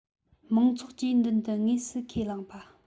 མང ཚོགས ཀྱི མདུན དུ དངོས སུ ཁས བླངས པ